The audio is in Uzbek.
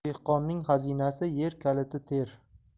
dehqonning xazinasi yer kaliti ter